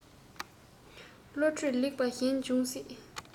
བློ གྲོས ལེགས པ གཞན འབྱུང སྲིད